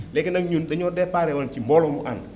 léegi nag ñun dañoo déparé woon ci mbooloo mu ànd